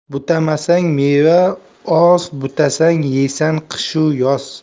butamasang meva oz butasang yeysan qish u yoz